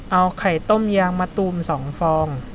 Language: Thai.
เอาไข่ต้มยางมะตูมสองฟอง